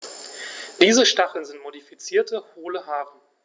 Diese Stacheln sind modifizierte, hohle Haare.